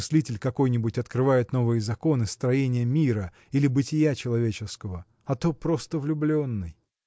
мыслитель какой-нибудь открывает новые законы строения мира или бытия человеческого а то просто влюбленный!